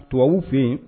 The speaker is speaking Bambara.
Tubabu fɛ yen